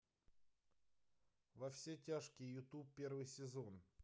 во все тяжкие ютуб первый сезон